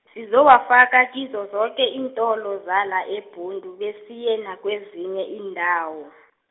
sizowafaka kizo zoke iintolo zala eBhundu besiye nakwezinye iindawo.